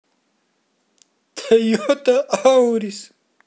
тойота аурис